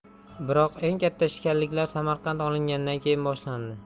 biroq eng katta ishkalliklar samarqand olingandan keyin boshlandi